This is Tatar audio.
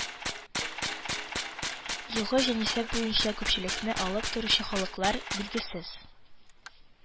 Елгы җанисәп буенча күпчелекне алып торучы халыклар: билгесез